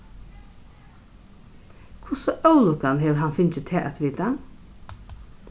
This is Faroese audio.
hvussu ólukkan hevur hann fingið tað at vita